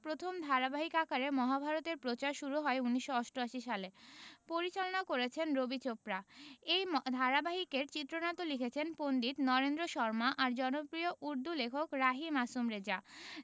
প্রথম ধারাবাহিক আকারে মহাভারত এর প্রচার শুরু হয় ১৯৮৮ সালে পরিচালনা করেছেন রবি চোপড়া এই ধারাবাহিকের চিত্রনাট্য লিখেছেন পণ্ডিত নরেন্দ্র শর্মা আর জনপ্রিয় উর্দু লেখক রাহি মাসুম রেজা